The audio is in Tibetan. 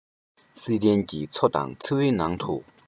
བསིལ ལྡན གྱི མཚོ དང མཚེའུ ནང དུ